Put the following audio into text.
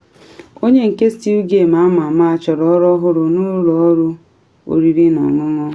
Onye nke Still Game ama ama chọrọ ọrụ ọhụrụ n’ụlọ ọrụ oriri na ọṅụṅụ